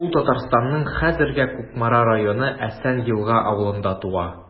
Ул Татарстанның хәзерге Кукмара районы Әсән Елга авылында туа.